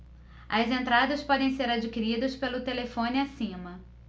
as entradas podem ser adquiridas pelo telefone acima